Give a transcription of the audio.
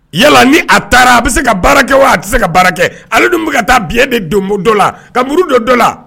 Yala ni a taara a bɛ se ka baara kɛ wa a tɛ se ka baara kɛ ale dun bɛ ka taa bi de donbon dɔ la ka muru don dɔ la